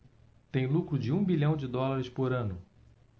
tem lucro de um bilhão de dólares por ano